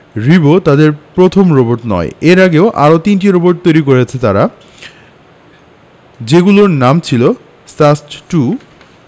রিবো তাদের প্রথম রোবট নয় এর আগে আরও তিনটি রোবট তৈরি করেছে তারা যেগুলোর নাম ছিল সাস্ট টু